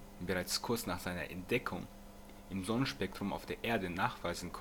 Sonnenspektrum auf der Erde nachweisen